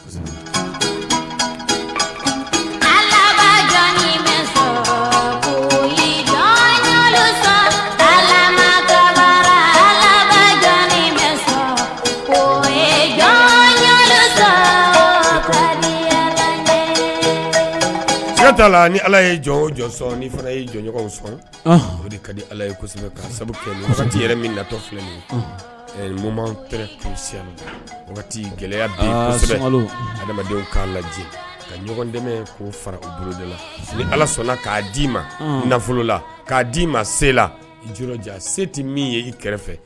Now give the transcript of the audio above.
La ni ala ye jɔn jɔn sɔn o de ka di ala ye sabu yɛrɛ min natɔ filɛ gɛlɛya adamadenw k'a lajɛ ka ɲɔgɔn dɛmɛ fara de la ni ala sɔnna k'a d' ii ma nafolo la k'a d' i ma se la se tɛ min ye i kɛrɛfɛ